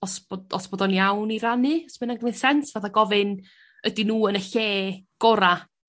Os bod os bod o'n iawn i rannu os ma' wnna'n gneud sense fatha gofyn ydi nw yn y lle gora'.